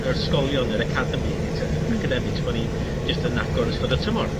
ysgolion yr academi i ty- academics bo' ni jyst yn agor yn ystod y tymor.